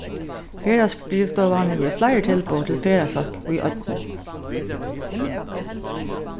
ferðaskrivstovan hevur fleiri tilboð til ferðafólk í oynni